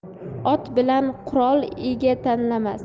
ot bilan qurol ega tanlamas